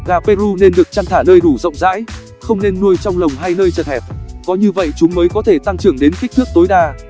gà peru nên được chăn thả nơi đủ rộng rãi không nên nuôi trong lồng hay nơi chật hẹp có như vậy chúng mới có thể tang trưởng đến kích thước tối đa